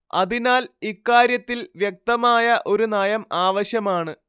അതിനാല്‍ ഇക്കാര്യത്തില്‍ വ്യക്തമായ ഒരു നയം ആവശ്യമാണ്